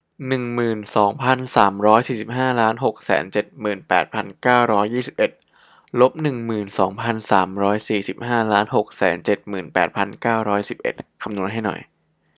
หนึ่งหมื่นสองพันสามร้อยสี่สิบห้าล้านหกแสนเจ็ดหมื่นแปดพันเก้าร้อยยี่สิบเอ็ดลบหนึ่งหมื่นสองพันสามร้อยสี่สิบห้าล้านหกแสนเจ็ดหมื่นแปดพันเก้าร้อยสิบเอ็ดคำนวณให้หน่อย